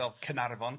fel Caenarfon,